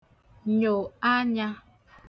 nyò anyā